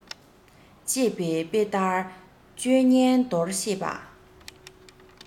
ཅེས པའི དཔེ ལྟར སྤྱོད ངན འདོར ཤེས པ